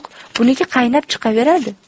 buniki qaynab chiqaveradi